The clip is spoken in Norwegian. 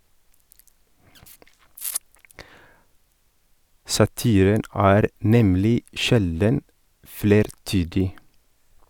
Satiren er nemlig sjelden flertydig.